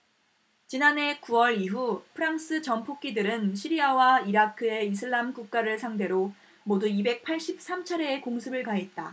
지난해 구 월 이후 프랑스 전폭기들은 시리아와 이라크의 이슬람국가를 상대로 모두 이백 팔십 삼 차례의 공습을 가했다